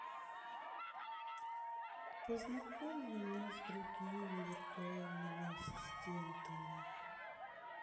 познакомь меня с другими виртуальными ассистентами